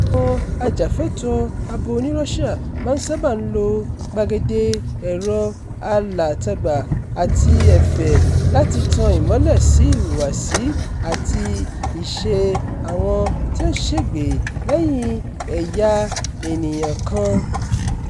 Àwọn ajàfẹ́tọ̀ọ́ abo ní Russia máa ń sábàá lo gbàgede ẹ̀rọ alátagbà àti ẹ̀fẹ̀ láti tan ìmọ́lẹ̀ sí ìhùwàsí àti ìṣe àwọn tí ó ń ṣègbè lẹ́yìn ẹ̀yà ènìyàn kan.